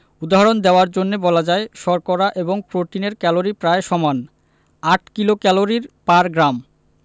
উদাহরণ দেয়ার জন্যে বলা যায় শর্করা এবং প্রোটিনের ক্যালরি প্রায় সমান ৮ কিলোক্যালরি পার গ্রাম